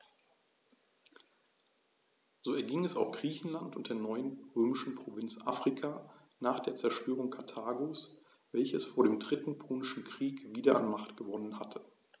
So erging es auch Griechenland und der neuen römischen Provinz Afrika nach der Zerstörung Karthagos, welches vor dem Dritten Punischen Krieg wieder an Macht gewonnen hatte.